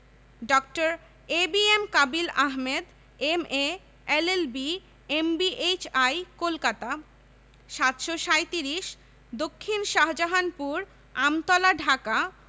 ডাঃ A B M Kabil Ahmed M A L L B M B H I Kolkata ৭৩৭ দক্ষিন শাহজাহানপুর আমতলা ঢাকা